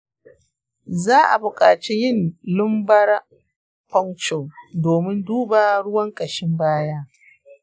za a buƙaci yin lumbar puncture domin duba ruwan ƙashin baya.